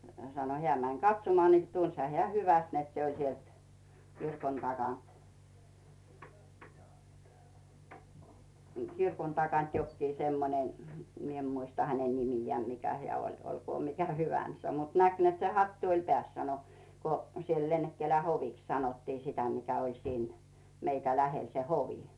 sanoi hän meni katsomaan niin tunsihan hän hyvästi että se oli sieltä kirkon takaa kirkon takaa jokin semmoinen minä en muista hänen nimeään mikä hän oli olkoon mikä hyvänsä mutta näki että se hattu oli päässä sanoi kun siellä Lennekkälän hoviksi sanottiin sitä mikä oli siinä meitä lähellä se hovi